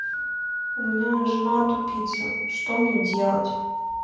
у меня жена тупица что мне делать